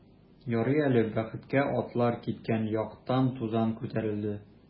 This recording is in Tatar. Ярый әле, бәхеткә, атлар киткән яктан тузан күтәрелде.